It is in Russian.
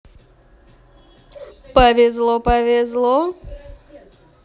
повезло повезло